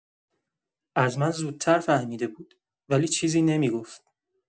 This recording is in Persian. از من زودتر فهمیده بود، ولی چیزی نمی‌گفت.